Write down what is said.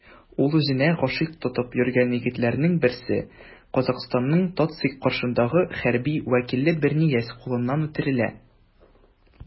Ул үзенә гашыйк тотып йөргән егетләрнең берсе - Казахстанның ТатЦИК каршындагы хәрби вәкиле Бернияз кулыннан үтерелә.